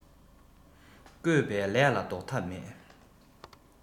བསྐོས པའི ལས ལ ཟློག ཐབས མེད